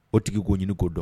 O tigi k koo ɲini k'o dɔn